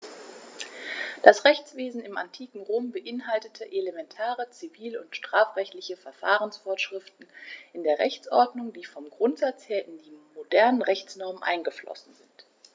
Das Rechtswesen im antiken Rom beinhaltete elementare zivil- und strafrechtliche Verfahrensvorschriften in der Rechtsordnung, die vom Grundsatz her in die modernen Rechtsnormen eingeflossen sind.